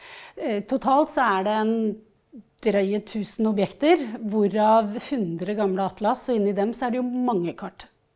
totalt så er det en drøye 1000 objekter hvor av 100 gamle atlas og inni dem så er det jo mange kart.